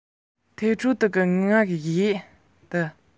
ཁོ རང མགོ བོ སྒུར ནས ངུ ལ ཁད དུ འདུག